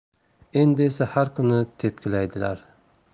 endi esa har kuni tepkilaydilar